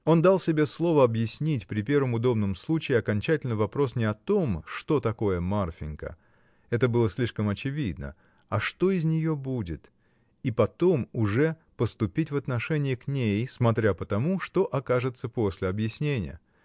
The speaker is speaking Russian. Он дал себе слово объяснить, при первом удобном случае, окончательно вопрос, не о том, что такое Марфинька: это было слишком очевидно, а что из нее будет, — и потом уже поступить в отношении к ней, смотря по тому, что окажется после объяснения.